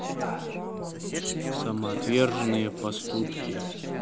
самоотверженные поступки